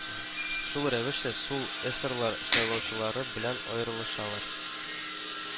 Шул рәвешчә, сул эсерлар сайлаучылары белән аерылышалар